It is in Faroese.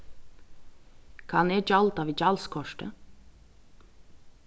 kann eg gjalda við gjaldskorti